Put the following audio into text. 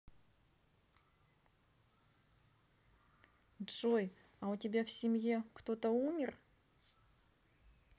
джой а у тебя в семье кто то умер